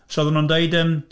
So oedden nhw'n deud yym...